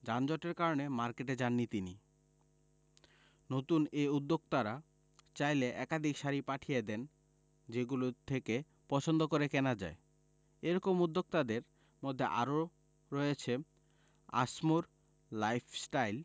যানজটের কারণেই মার্কেটে যাননি তিনি নতুন এই উদ্যোক্তারা চাইলে একাধিক শাড়ি পাঠিয়ে দেন যেগুলো থেকে পছন্দ করে কেনা যায় এ রকম উদ্যোক্তাদের মধ্যে আরও রয়েছে আসমোর লাইফস্টাইল